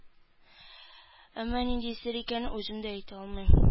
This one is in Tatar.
Әмма нинди сер икәнен үзем дә әйтә алмыйм